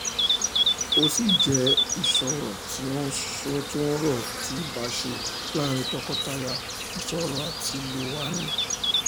Ó sì jẹ́ ìṣòro tí ó ń ro ti ìbáṣe láàárín tọkọtaya – ìṣòro àtilẹ̀wá ni.